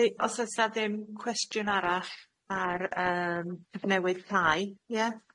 Felly os o's na ddim cwestiwn arall ar yym cyfnewydd thai ia?